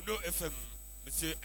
no fm, monsieur